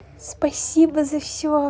спасибо за все